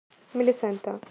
мелисента